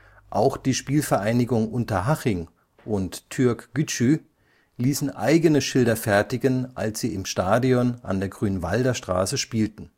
Auch die SpVgg Unterhaching und Türk Gücü ließen eigene Schilder fertigen, als sie im Stadion an der Grünwalder Straße spielten